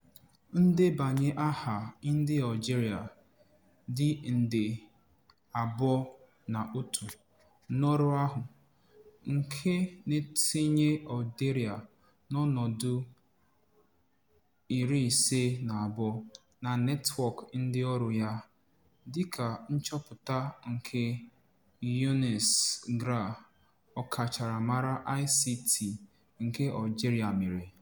Ndebanye aha ndị Algerịa dị nde 2.1 n'ọrụ ahụ, nke na-etinye Algeria n'ọnọdụ 52 na netwọk ndịọrụ ya, dịka nchọpụta nke Younes Grar, ọkachamara ICT nke Algerịa mere.